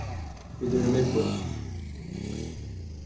vit eru í miðbýnum